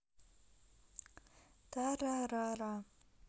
тарарара